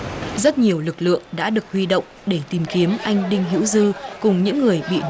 rất nhiều lực lượng đã được huy động để tìm kiếm anh đinh hữu dư cùng những người bị